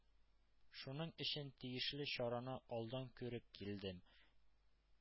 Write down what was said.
Шуның өчен тиешле чараны алдан күреп килдем,